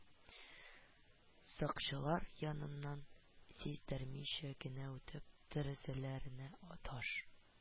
Сакчылар яныннан сиздермичә генә үтеп, тәрәзәләренә таш